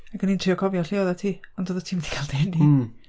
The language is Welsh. Ac o'n i'n trio cofio lle oeddet ti, ond o' ti'm 'di cael dy eni... Mm.